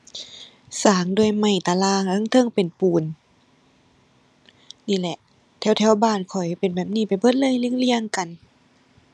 สร้างด้วยไม้ตะล่างแล้วทางเทิงเป็นปูน นี่แหละแถวแถวบ้านข้อยเป็นแบบนี้ไปเบิดเลย เรียงเรียงกัน